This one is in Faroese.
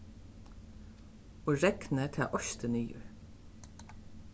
og regnið tað oysti niður